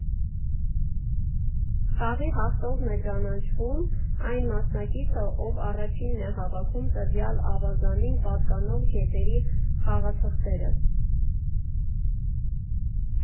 Խաղի հաղթող է ճանաչվում այն մասնակիցը, ով առաջինն է հավաքում տվյալ ավազանին պատկանող գետերի խաղաթղթերը։